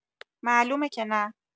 معلومه که نه.